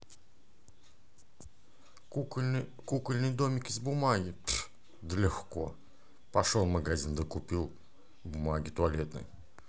как сделать кукольный домик из бумаги